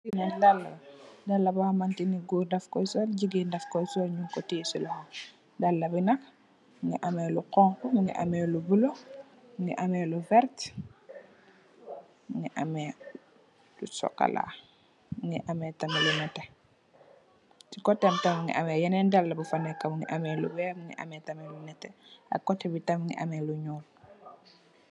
Li nak dalla la, dalla bu xamanteh ni gór daf koy sol, jigeen daf koy sol ñing ko teyeh ci loxo, dalla bi nak mugii ameh lu xonxu, mugii ameh lu bula, mugii ameh lu werta, mugii ameh lu sokola, mugii ameh tamit lu netteh. Ci kotem tamit mugii ameh yenen dalla bu fa nekka, mugii ameh lu wèèx, mugii ameh tamit lu netteh ak koteh bi tamit mugii ameh lu ñuul.